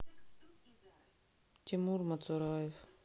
тимур мацураев